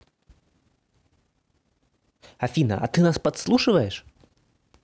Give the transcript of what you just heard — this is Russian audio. афина а ты нас подслушиваешь